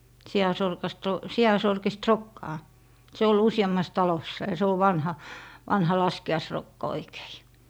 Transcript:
siansorkasta on siansorkista rokkaa se oli useammassa talossa ja se on vanha vanha laskiaisrokka oikein